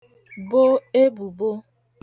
bo ebùbo